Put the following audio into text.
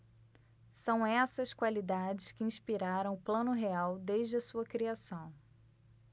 são essas qualidades que inspiraram o plano real desde a sua criação